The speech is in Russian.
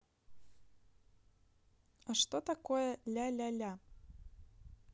а что такое ля ля ля